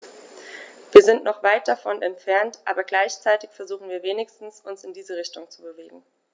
Wir sind noch weit davon entfernt, aber gleichzeitig versuchen wir wenigstens, uns in diese Richtung zu bewegen.